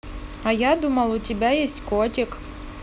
а я думал у тебя есть котик